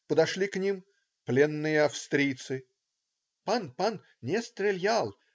Подошли к ним: пленные австрийцы. "Пан! пан! Не стрелял!